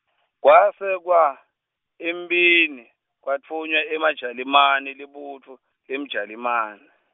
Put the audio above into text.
kwase kwa, emphini, kwatfunywa emaJalimane libutfo, leMjalimane.